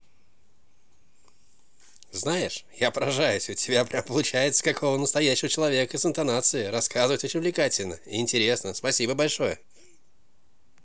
знаешь я поражаюсь у тебя прям получается какого настоящего человека с интонацией рассказывать очень увлекательно и интересно спасибо большое